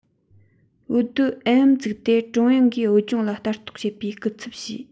བོད སྡོད ཨན བམ བཙུགས ཏེ ཀྲུང དབྱང གིས བོད ལྗོངས ལ ལྟ རྟོག བྱེད པའི སྐུ ཚབ བྱས